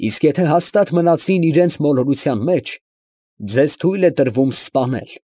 Իսկ եթե հաստատ մնացին իրանց մոլորության մեջ, ձեզ թույլ է տրվում սպանել։